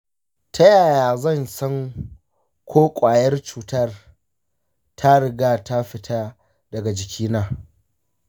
ta yaya zan san ko ƙwayar cutar ta riga ta fita daga jikina?